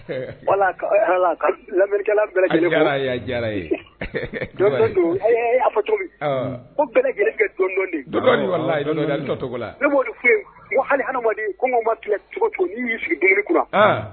Ri cogo ko kɛden ko ma cogo cogo n y'i dɔnkilikura